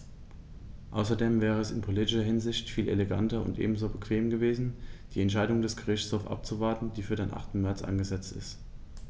Außerdem wäre es in politischer Hinsicht viel eleganter und ebenso bequem gewesen, die Entscheidung des Gerichtshofs abzuwarten, die für den 8. März angesetzt ist.